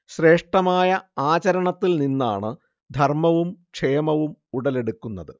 ശ്രേഷ്ഠമായ ആചരണത്തിൽ നിന്നാണ് ധർമ്മവും ക്ഷേമവും ഉടലെടുക്കുന്നത്